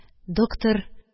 Доктор